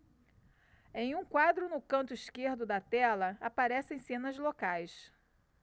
em um quadro no canto esquerdo da tela aparecem cenas locais